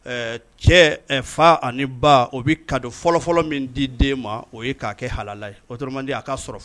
Ɛɛ cɛ fa ani ba o bɛ ka don fɔlɔfɔlɔ min di den ma o ye'a kɛ hala ye o di a'a sɔrɔ